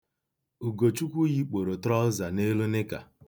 Ugochukwu yikporo tụraụza n'elu nịka.